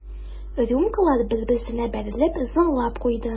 Рюмкалар бер-берсенә бәрелеп зыңлап куйды.